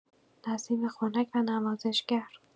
نسیم خنک و نوازشگر